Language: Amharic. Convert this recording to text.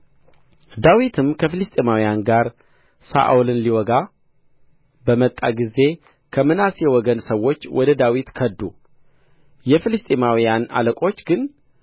ዳዊትም ከፍልስጥኤማውያን ጋር ሳኦልን ሊወጋ በመጣ ጊዜ ከምናሴ ወገን ሰዎች ወደ ዳዊት ከዱ የፍልስጥኤማውያን አለቆች ግን